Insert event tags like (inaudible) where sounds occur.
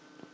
(hesitation) (hesitation)